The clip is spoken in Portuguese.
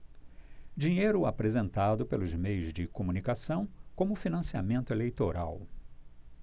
dinheiro apresentado pelos meios de comunicação como financiamento eleitoral